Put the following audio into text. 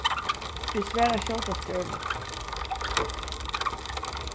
vit svara skjótast gjørligt